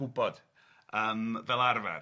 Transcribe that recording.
Yym fel arfer.